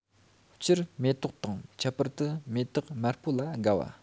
སྤྱིར མེ ཏོག དང ཁྱད པར དུ མེ ཏོག དམར པོ ལ དགའ བ